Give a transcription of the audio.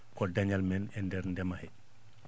ko dañal men e nder ndema hee